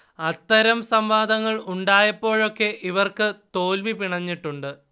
അത്തരം സംവാദങ്ങൾ ഉണ്ടായപ്പോഴൊക്കെ ഇവർക്ക് തോൽവി പിണഞ്ഞിട്ടുണ്ട്